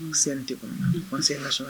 Selen tɛ kɔnɔ kola so